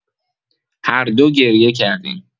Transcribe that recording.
هر دو گریه کردیم.